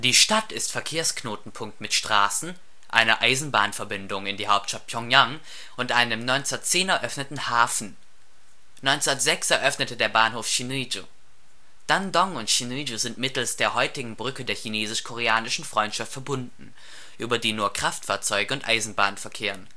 Stadt ist Verkehrsknotenpunkt mit Straßen, einer Eisenbahnverbindung in die Hauptstadt Pjöngjang und einem 1910 eröffneten Hafen. 1906 eröffnete der Bahnhof Sinŭiju. Dandong und Sinŭiju sind mittels der heutigen Brücke der Chinesisch−Koreanischen – Freundschaft verbunden, über die nur Kraftfahrzeuge und Eisenbahnen verkehren